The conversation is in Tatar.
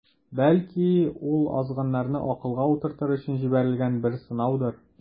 Бәлки, ул азгыннарны акылга утыртыр өчен җибәрелгән бер сынаудыр.